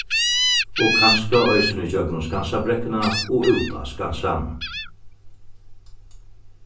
og kanska eisini gjøgnum skansabrekkuna og út á skansan